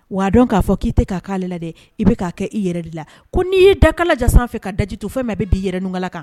Wa a dɔn k'a fɔ k'i tɛ k'a k'ale la dɛ, i bɛ k'a kɛ i yɛrɛ de la. Ko n'i y'e dakala jan sanfɛ fɛ ka daji tu fɛn min a bin i yɛrɛ nukala kan.